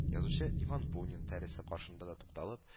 Язучы Иван Бунин тәресе каршында да тукталып